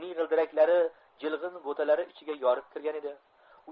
uning g'ildiraklari jilg'in butalari ichiga yorib kirgan edi